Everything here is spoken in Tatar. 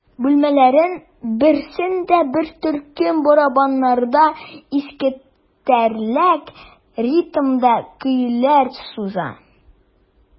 Бүлмәләрнең берсендә бер төркем барабаннарда искитәрлек ритмда көйләр суза.